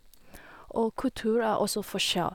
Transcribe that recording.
Og kultur er også forskjell.